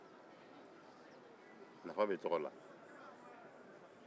nafa bɛ tɔgɔ la